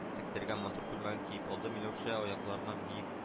Тектергән матур күлмәген киеп алды миләүшә, аякларына биег